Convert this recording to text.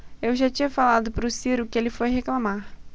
eu já tinha falado pro ciro que ele foi reclamar